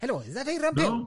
Helo, is that Hiram Pew?